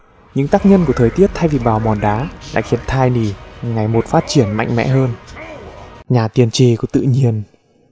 những tác nhân của thời tiết thay vì bào mòn đá lại khiến tiny ngày một phát triển mạnh mẽ hơn nhà tiên tri của tự nhiên